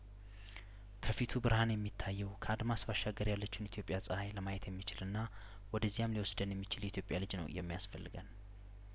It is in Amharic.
ከፊቱ ብርሀን የሚታየው ከአድማስ ባሻገር ያለችውን ኢትዮጵያ ጸሀይ ለማየት የሚችልና ወደዚያም ሊወስደን የሚችል የኢትዮጵያ ልጅ ነው የሚያስፈልገን